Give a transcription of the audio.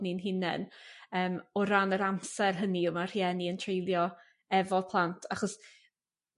ni'n hunen yym o ran yr amser hynny y ma' rhieni yn treulio efo plant achos